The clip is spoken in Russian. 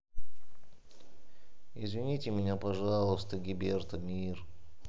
извините меня пожалуйста giberto мир